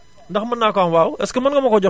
ndax mën naa ko am waaw est ce que mën nga ma koo jox